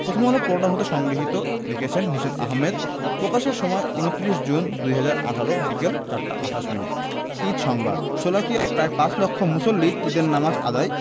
Prothom Alo portal হতে সংগৃহীত লিখেছেন নিশাত আহমেদ প্রকাশের সময় ২৯ জুন ২০১৮ বিকেল ৪টা ২৮ মিনিট ঈদ সংবাদ শোলাকিয়ায় প্রায় পাঁচ লাখ মুসল্লির ঈদের নামাজ আদায়